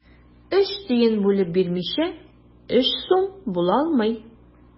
Өч тиен бүлеп бирмичә, өч сум була алмый.